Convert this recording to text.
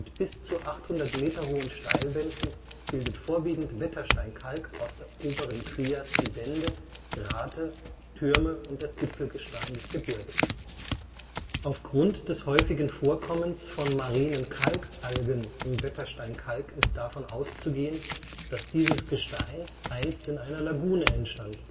bis zu 800 m hohen Steilwänden bildet vorwiegend Wettersteinkalk aus der oberen Trias die Wände, Grate, Türme und das Gipfelgestein des Gebirges. Aufgrund des häufigen Vorkommens von marinen Kalkalgen im Wettersteinkalk ist davon auszugehen, dass dieses Gestein einst in einer Lagune entstand